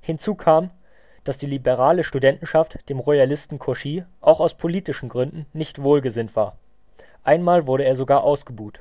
Hinzu kam, dass die liberale Studentenschaft dem Royalisten Cauchy auch aus politischen Gründen nicht wohlgesinnt war, einmal wurde er sogar ausgebuht.